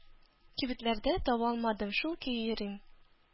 Кибетләрдә таба алмадым, шул көе йөрим.